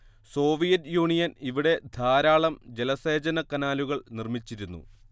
Soviet Union ഇവിടെ ധാരാളം ജലസേചന കനാലുകൾ നിർമ്മിച്ചിരുന്നു